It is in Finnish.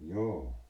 joo